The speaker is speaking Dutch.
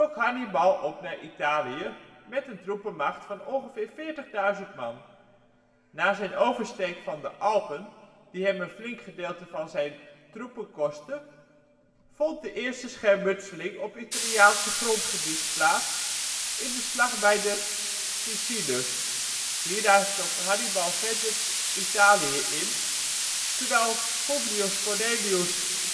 Hannibal op naar Italië met een troepenmacht van ongeveer 40.000 man. Na zijn oversteek van de Alpen, die hem een flink gedeelte van zijn troepen kostte, vond de eerste schermutseling op Italiaans grondgebied plaats in de slag bij de Ticinus. Hierna trok Hannibal verder Italië in, terwijl Publius Cornelius